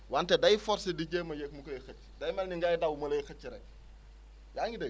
wante day forcer di jéem a yéeg mu koy xëcc day mel ni ngay daw ma lay xëcc rek yaa ngi dégg